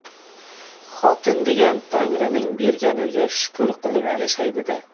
xotin degan tangrining berganiga shukr qilib yashaydida